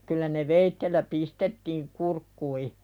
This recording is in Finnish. kyllä ne veitsellä pistettiin kurkkuihin